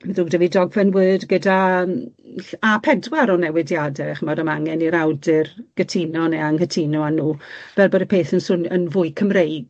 Ma'n ddrwg 'da fi dogfen Word gyda yym ll- a pedwar o newidiade ch'mod, a ma' angen i'r awdur gytuno neu anghytuno â nw fel bod y peth yn swn- yn fwy Cymreig,